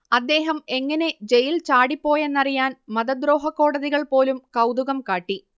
അദ്ദേഹം എങ്ങനെ ജെയിൽ ചാടിപ്പോയെന്നറിയാൻ മതദ്രോഹക്കോടതികൾ പോലും കൗതുകം കാട്ടി